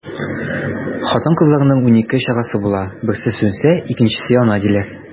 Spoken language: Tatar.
Хатын-кызларның унике чырасы була, берсе сүнсә, икенчесе яна, диләр.